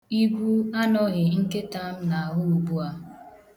Igwu anọghị nkịta m n'ahụ ugbua.